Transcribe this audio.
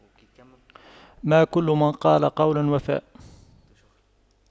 ما كل من قال قولا وفى